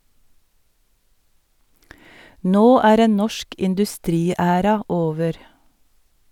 Nå er en norsk industriæra over.